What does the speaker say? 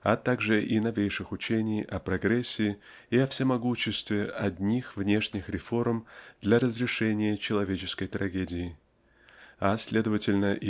а также и новейших учений о прогрессе и о всемогуществе одних внешних реформ для разрешения человеческой трагедии а следовательно